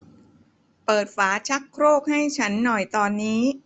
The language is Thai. เปิดฝาชักโครกให้ฉันหน่อยตอนนี้